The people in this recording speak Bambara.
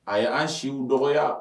A ye an siw dɔgɔ